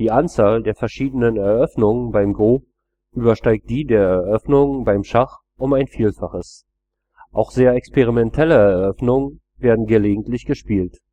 Anzahl der verschiedenen Eröffnungen beim Go übersteigt die der Eröffnungen beim Schach um ein Vielfaches. Auch sehr experimentelle Eröffnungen werden gelegentlich gespielt